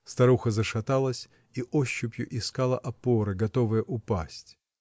Старуха зашаталась и ощупью искала опоры, готовая упасть.